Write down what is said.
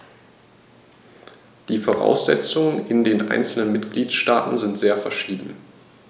Die Voraussetzungen in den einzelnen Mitgliedstaaten sind sehr verschieden.